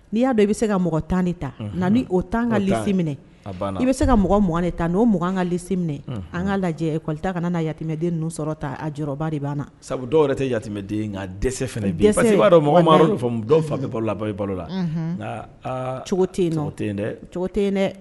N' y'a dɔn i bɛ se ka mɔgɔ tan ne ta na o tan an kalisi minɛ i bɛ se ka mɔgɔugan ta n' oo mɔgɔ ka lisi minɛ an ka lajɛlita kana' yamɛden n sɔrɔ aba de banna sabu dɔw yɛrɛ tɛ jatemɛden nka dɛsɛ fana mɔgɔ balo balo la nka cogo yen tɛ yen dɛ cogo tɛ yen dɛ